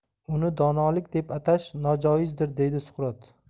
uni donolik deb atash nojoizdir deydi suqrot